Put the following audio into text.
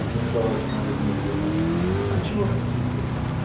-- вмешалась Марья Дмитриевна, -- отчего же не теперь?